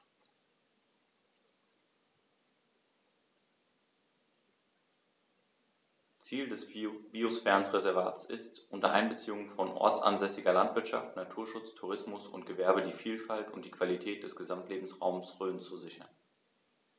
Ziel dieses Biosphärenreservates ist, unter Einbeziehung von ortsansässiger Landwirtschaft, Naturschutz, Tourismus und Gewerbe die Vielfalt und die Qualität des Gesamtlebensraumes Rhön zu sichern.